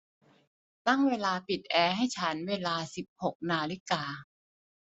ตั้งเวลาปิดแอร์ให้ฉันเวลาสิบหกนาฬิกา